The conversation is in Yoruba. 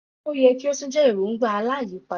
Ṣé ó yẹ kí ó tún jẹ́ èròńgbà, aláyìípadà?